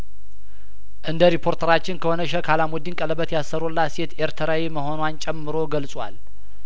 እንደ ሪፖርተራችን ከሆነ ሼክ አላሙዲን ቀለበት ያሰሩላት ሴት ኤርትራዊ መሆኗን ጨምሮ ገልጿል